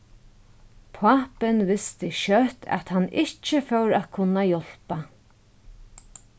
pápin visti skjótt at hann ikki fór at kunna hjálpa